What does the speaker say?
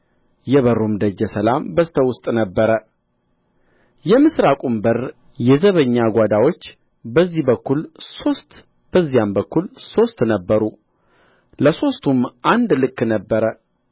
የበሩም ደጀ ሰላም በስተ ውስጥ ነበረ የምሥራቁም በር የዘበኛ ጓዳዎች በዚህ በኩል ሦስት በዚያም በኩል ሦስት ነበሩ ለሦስቱም አንድ ልክ ነበረ